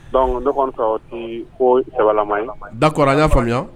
Don ko sabalila dakɔrɔ n y'a faamuya